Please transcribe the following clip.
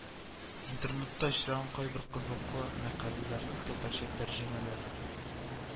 Интернетта очраган кайбер кызыклы мәкаләләрнең татарчага тәрҗемәләре